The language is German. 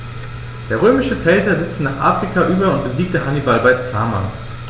Der römische Feldherr setzte nach Afrika über und besiegte Hannibal bei Zama.